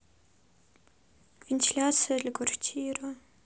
вентиляция для квартиры